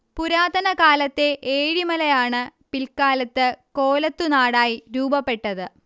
പുരാതന കാലത്തെ ഏഴിമലയാണ് പിൽക്കാലത്ത് കോലത്തുനാടായി രൂപപ്പെട്ടത്